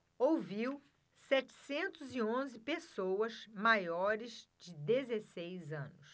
ouviu setecentos e onze pessoas maiores de dezesseis anos